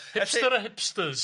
Hipster a Hipsters.